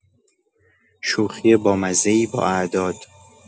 شوخی بامزه‌ای با اعداد